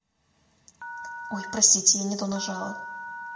ой простите я не то нажала